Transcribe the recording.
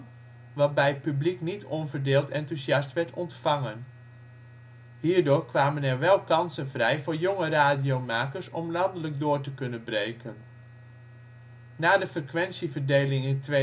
publiek niet onverdeeld enthousiast werd ontvangen. Hierdoor kwamen er wel kansen vrij voor jonge radiomakers om landelijk door te kunnen breken. Na de frequentieverdeling in